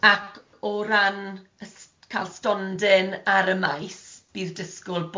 Ac o ran ys- cael stondin ar y maes, bydd disgwl bod